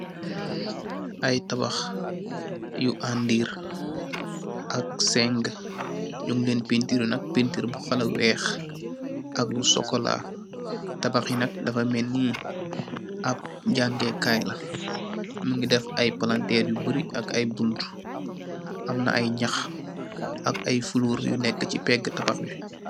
Ay tabax yu andiir, ak yu andiir, ak seenga, nyung leen peentiir nak, peentiir bu xala weex, ak lu sokoola. Tabax yi nak dafa melni palaasi jangee kaay la, mu ngi def ay palanter yu bari ak ay buntu, mu ngi am ay nyax.